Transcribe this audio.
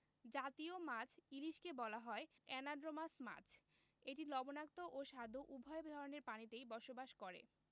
জতীয় মাছ ইলিশকে বলা হয় অ্যানাড্রোমাস মাছ এটি লবণাক্ত ও স্বাদু উভয় ধরনের পানিতেই বসবাস করে